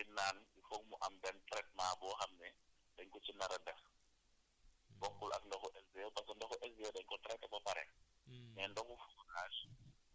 ndox yooyu balaa ngeen koy naan foog mu am benn tratement boo xam ne dañ ko ci nar a def bokkul ak ndoxu SDE parce que ndoxu SDE dañ ko traiter ba pare